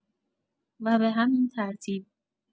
و به همین ترتیب